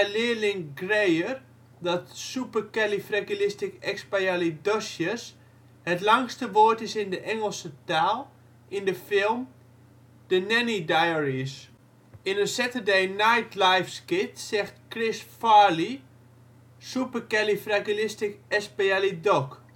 leerling Greyer, dat " supercalifragilisticexpialidocious " het langste woord is in de Engelse taal, in de film The Nanny Diaries. In een Saturday Night Live skit, zegt Chris Farley " Supercalifragilisticexpialidoc